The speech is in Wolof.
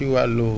ci wàllu